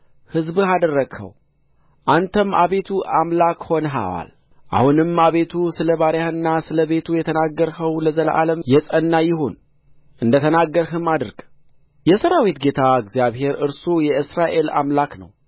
ሕዝብህ አደረግኸው አንተም አቤቱ አምላክ ሆነኸዋል አሁንም አቤቱ ስለ ባሪያህና ስለ ቤቱ የተናገርኸው ለዘላለም የጸና ይሁን እንደተናገርህም አድርግ የሠራዊት ጌታ እግዚአብሔር እርሱ የእስራኤል አምላክ ነው